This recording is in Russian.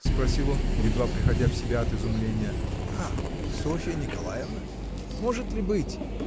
— спросил он, едва приходя в себя от изумления. — Как, Софья Николаевна? Может ли быть?